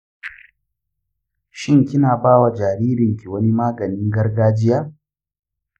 shin kina bawa jaririnki wani maganin gargajiya?